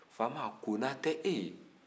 faama konatɛ e ye